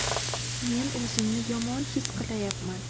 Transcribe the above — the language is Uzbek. men o'zimni yomon his qilayapman